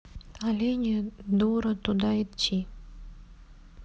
олени дура туда идти